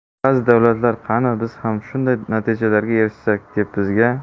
ba'zi davlatlar qani biz ham shunday natijalarga erishsak deb bizga